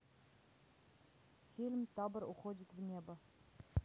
фильм табор уходит в небо